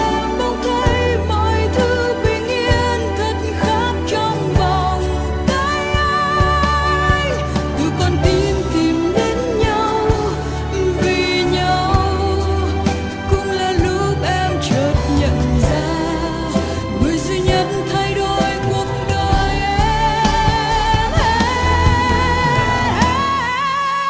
em bỗng thấy mọi thứ bình yên thật khác trong vòng tay anh từ con tim tìm đến nhau vì nhau cũng là lúc em chợt nhận ra người duy nhất thay đổi cuộc đời em ha há à á